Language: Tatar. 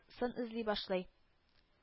Сын эзли башлый